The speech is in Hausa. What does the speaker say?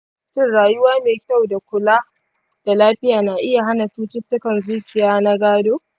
shin rayuwa mai kyau da kula da lafiya na iya hana cututtukan zuciya na gado?